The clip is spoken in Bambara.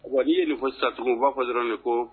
Awa n'i ye nin fɔ sisan tugun u b'a fɔ dɔrɔn de ko